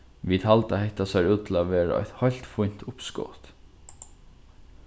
vit halda hetta sær út til at vera eitt heilt fínt uppskot